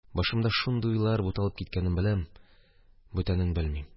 Башымда шундый уйлар чагылып киткәнен беләм, бүтәнен белмим.